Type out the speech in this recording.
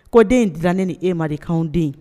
Ko den in de dira e ni ne ma de k'an den